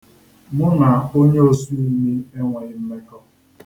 Mụ na onye osuimi enweghị mmekọ.